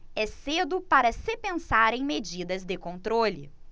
é cedo para se pensar em medidas de controle